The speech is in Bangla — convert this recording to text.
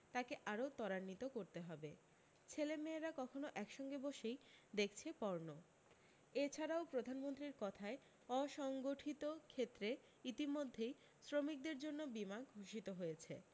তাকে আরও ত্বরান্বিত করতে হবে ছেলে মেয়েরা কখনো একসঙ্গে বসেই দেখছে পর্ণো এছাড়াও প্রধানমন্ত্রীর কথায় অসংগঠিত ক্ষেত্রে ইতিমধ্যেই শ্রমিকদের জন্য বিমা ঘোষিত হয়েছে